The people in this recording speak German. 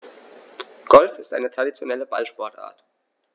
Golf ist eine traditionelle Ballsportart.